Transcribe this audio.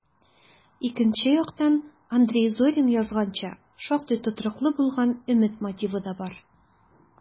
Икенче яктан, Андрей Зорин язганча, шактый тотрыклы булган өмет мотивы да бар: